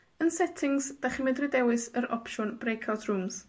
Yn Settings, 'dach chi'n medru dewis yr opsiwn Brake Out Rooms.